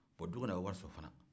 bon don o don a bɛ wari sɔrɔ fana